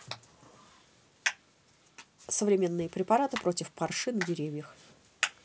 современные препараты против парши на деревьях